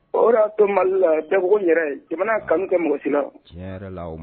O to mali la tɛbugu yɛrɛ jamana kanu kɛ mɔgɔsiina la